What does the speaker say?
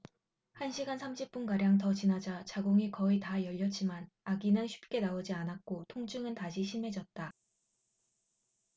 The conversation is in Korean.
한 시간 삼십 분가량 더 지나자 자궁이 거의 다 열렸지만 아기는 쉽게 나오지 않았고 통증은 다시 심해졌다